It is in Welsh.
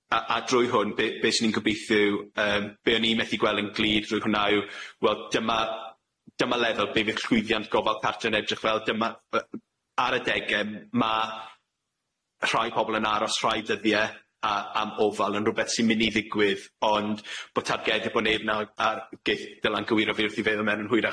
A a drwy hwn be' be' 'swn i'n gobeithio yw yym be' o'n i'n methu gweld yn glir drwy hwnna yw wel dyma dyma lefel be' fydd llwyddiant gofal cartre'n edrych fel, dyma yy ar adege ma' rhai pobol yn aros rhai dyddie a am ofal yn rwbeth sy'n myn' i ddigwydd, ond bo' targed bo' neb nawr a geith Dylan gywiro fi wrth i fe ddod mewn yn hwyrach.